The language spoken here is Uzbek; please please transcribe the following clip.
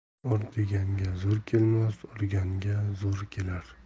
ur deganga zo'r kelmas urganga zo'r kelar